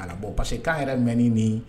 Ala bɔ parce que k'a yɛrɛ mɛn ni nin